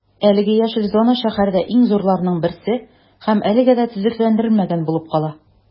Әлеге яшел зона шәһәрдә иң зурларының берсе һәм әлегә дә төзекләндерелмәгән булып кала.